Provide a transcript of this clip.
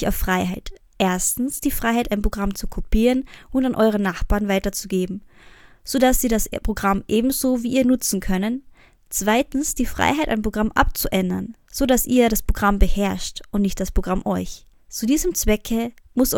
Freiheit. Erstens, die Freiheit, ein Programm zu kopieren und an eure Nachbarn weiterzugeben, so dass sie das Programm ebenso wie ihr nutzen können. Zweitens, die Freiheit, ein Programm abzuändern, so dass ihr das Programm beherrscht und nicht das Programm euch; zu diesem Zwecke muss